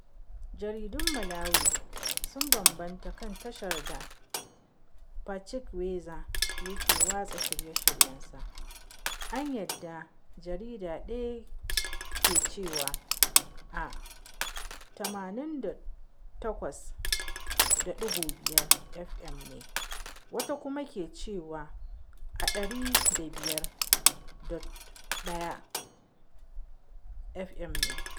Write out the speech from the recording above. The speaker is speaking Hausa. Jaridun Malawi sun bambanta kan tashar da Pachikweza yake watsa shirye-shiryensa, an yadda jarida ɗaya ke cewa a 98.5FM ne, wata kuma ke cewa a 105.1FM ne.